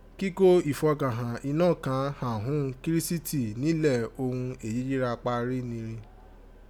kikó ifọkànhẹ̀n inọ́ kan ghan ghún Kirisiti nílẹ̀ òghun eyíyii ra pari ni rin.